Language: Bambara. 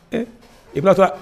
Ee i bɛ taa